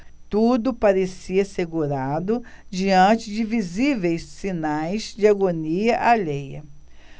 tudo parecia assegurado diante de visíveis sinais de agonia alheia